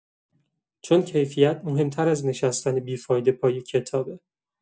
چون کیفیت مهم‌تر از نشستن بی‌فایده پای کتابه.